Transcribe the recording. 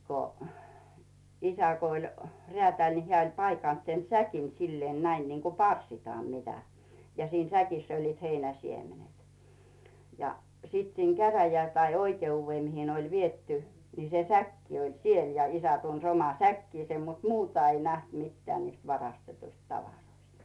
kun isä kun oli räätäli niin hän oli paikannut sen säkin sillä lailla näin niin kuin parsitaan mitä ja siinä säkissä olivat heinän siemenet ja sitten siinä - tai oikeuteen mihin ne oli viety niin se säkki oli siellä ja isä tunsi oman säkkinsä mutta muuta ei nähty mitään niistä varastetuista tavaroista